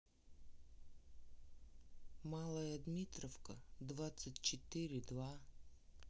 малая дмитровка двадцать четыре два